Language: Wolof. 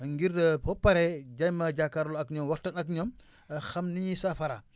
ngir ba pare jéem a jàkkaarloo ak ñoom waxtaan ak ñoom xam ni ñuy saafaraa